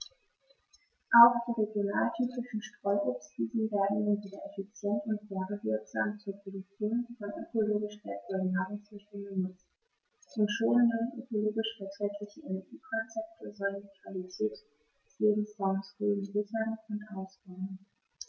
Auch die regionaltypischen Streuobstwiesen werden nun wieder effizient und werbewirksam zur Produktion von ökologisch wertvollen Nahrungsmitteln genutzt, und schonende, ökologisch verträgliche Energiekonzepte sollen die Qualität des Lebensraumes Rhön sichern und ausbauen.